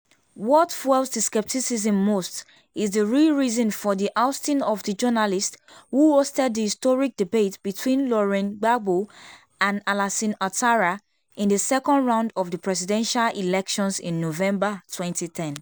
What fuels the skepticism most is the real reason for the ousting of the journalist who hosted the historic debate between Laurent Gbagbo and Alassane Ouattara in the second round of the presidential elections in November 2010.